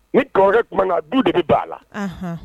Ni kɔrɔkɛkɛ tun ka du de bɛ bila a la